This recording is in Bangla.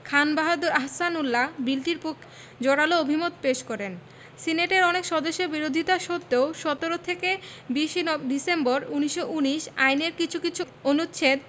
খান বাহাদুর আহসানউল্লাহ বিলটির পক্ষে জোরালো অভিমত পেশ করেন সিনেটের অনেক সদস্যের বিরোধিতা সত্ত্বেও ১৭ থেকে ২০ ই ডিসেম্বর ১৯১৯ আইনের কিছু কিছু অনুচ্ছেদ